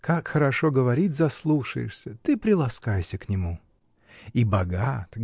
Как хорошо говорит — заслушаешься! Ты приласкайся к нему. И богат.